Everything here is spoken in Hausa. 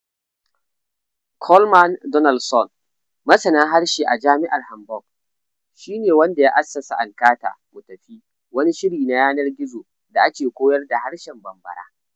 Coleman Donaldson, masanin harshe a Jami’ar Hamburg, shi ne wanda ya assasa An ka taa (“mu tafi”), wani shiri na yanar gizo da ke koyar da harshen Bambara.